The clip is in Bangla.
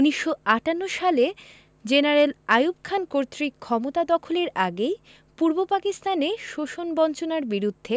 ১৯৫৮ সালে জেনারেল আইয়ুব খান কর্তৃক ক্ষমতা দখলের আগেই পূর্ব পাকিস্তানে শোষণ বঞ্চনার বিরুদ্ধে